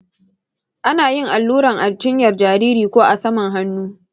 ana yin alluran a cinyar jariri ko a saman hannu.